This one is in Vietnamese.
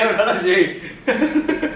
anh cứ trêu em đó làm gì